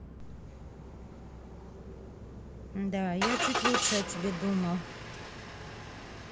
да я чуть лучше о тебе думал